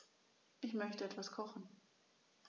Ich möchte etwas kochen.